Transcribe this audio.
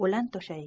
o'lan to'shagiga